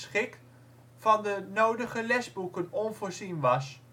van de nodige leesboeken onvoorzien " was